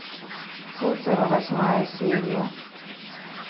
фуцева восьмая серия